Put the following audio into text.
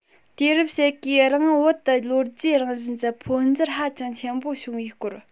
དུས རབས ཕྱེད ཀའི རིང བོད དུ ལོ རྒྱུས རང བཞིན གྱི འཕོ འགྱུར ཧ ཅང ཆེན པོ བྱུང བའི སྐོར